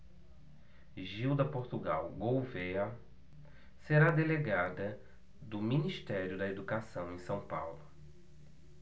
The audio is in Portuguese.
gilda portugal gouvêa será delegada do ministério da educação em são paulo